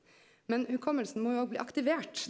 men hukommelsen må jo òg bli aktivert.